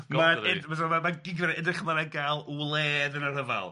Ma'n ed- fysa ma' gydf- yn edrych ymlaen i gael wledd yn y rhyfel.